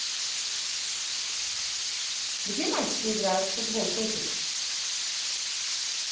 где мальчики играют в футбол котик